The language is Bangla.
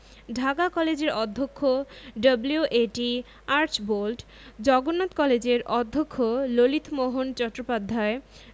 ঢাকা কলেজের অধ্যক্ষ ডব্লিউ.এ.টি আর্চবোল্ড জগন্নাথ কলেজের অধ্যক্ষ ললিতমোহন চট্টোপাধ্যায়